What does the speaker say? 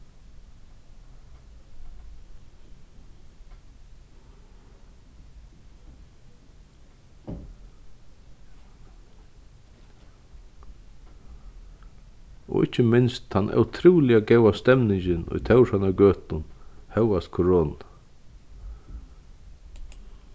og ikki minst tann ótrúliga góða stemningin í tórshavnar gøtum hóast koronu